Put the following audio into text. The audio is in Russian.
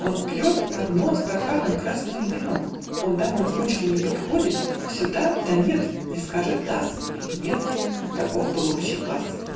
он пьет одно Стаканом красное вино Он дамам к ручке не подходит Все да да нет не скажет да-с Иль нет-с". Таков был общий глас.